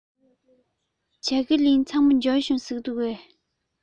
ཇ ག ལི ཚང མ འབྱོར བྱུང